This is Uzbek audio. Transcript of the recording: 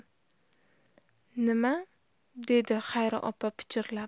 nima dedi xayri opa pichirlab